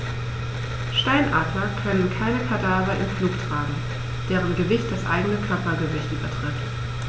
Steinadler können keine Kadaver im Flug tragen, deren Gewicht das eigene Körpergewicht übertrifft.